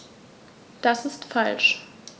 Das ist falsch.